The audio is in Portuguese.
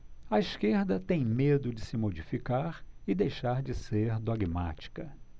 a esquerda tem medo de se modificar e deixar de ser dogmática